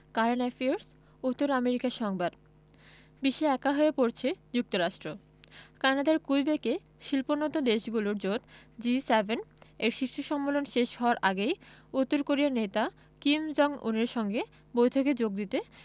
current affairs উত্তর America সংবাদ বিশ্বে একা হয়ে পড়ছে যুক্তরাষ্ট্র কানাডার কুইবেকে শিল্পোন্নত দেশগুলোর জোট জি ৭ এর শীর্ষ সম্মেলন শেষ হওয়ার আগেই উত্তর কোরিয়ার নেতা কিম জং উনের সঙ্গে বৈঠকে যোগ দিতে